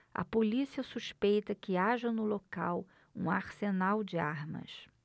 a polícia suspeita que haja no local um arsenal de armas